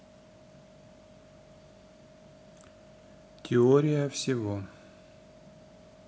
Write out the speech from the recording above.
теория всего